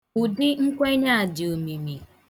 Ụdị nkwenye a dị omimi.